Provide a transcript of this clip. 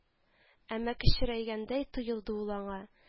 Әмма кечерәйгәндәй тоелды ул аңа